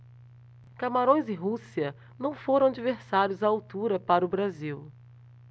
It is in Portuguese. camarões e rússia não foram adversários à altura para o brasil